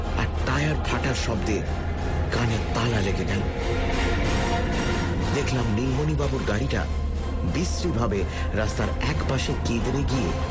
আর tyre ফাটার শব্দে কানে তাল লেগে গেল দেখলাম নীলমণিবাবুর গাড়িটা বিশ্রীভাবে রাস্তার একপাশে কেদরে গিয়ে